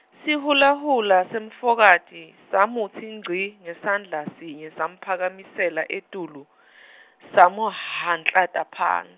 sihulahula semfokati samutsi ngci ngesandla sinye samphakamisela etulu , samuhhanklata phan-.